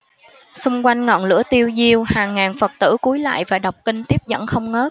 xung quanh ngọn lửa tiêu diêu hàng ngàn phật tử cúi lạy và đọc kinh tiếp dẫn không ngớt